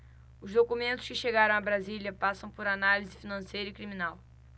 os documentos que chegaram a brasília passam por análise financeira e criminal